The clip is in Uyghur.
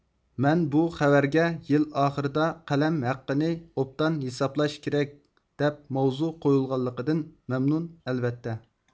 مەن بۇ خەۋەرگە يىل ئاخىرىدا قەلەم ھەققىنى ئوبدان ھېسابلاش كېرەك دەپ ماۋزۇ قويۇلغانلىقىدىن مەمنۇن ئەلۋەتتە